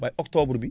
waaye octobre bi